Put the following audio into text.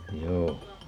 joo